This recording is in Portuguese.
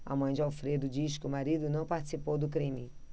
a mãe de alfredo diz que o marido não participou do crime